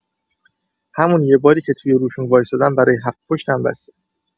همون یه باری که توی روشون وایستادم برای هفت پشتم بسه.